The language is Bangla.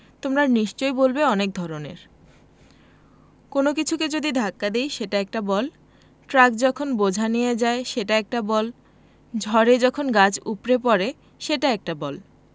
তোমরা নিশ্চয়ই বলবে অনেক ধরনের কোনো কিছুকে যদি ধাক্কা দিই সেটা একটা বল ট্রাক যখন বোঝা নিয়ে যায় সেটা একটা বল ঝড়ে যখন গাছ উপড়ে পড়ে সেটা একটা বল